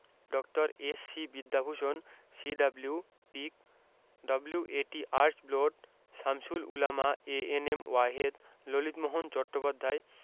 ড. S C. Vidyabhushan C W. Peake W A T. Archbold Shamsul Ulama A N M Wahed Lalitmohan Chattopadhyay